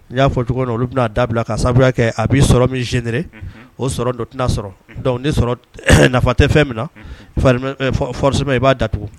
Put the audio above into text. N y'a fɔ cogo olu bɛnaa da bila ka kɛ a b'i sɔrɔ minre o sɔrɔ don sɔrɔ dɔnku sɔrɔ nafa tɛ fɛn min nasi i b'a da tugun